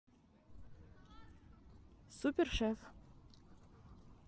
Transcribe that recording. супер шеф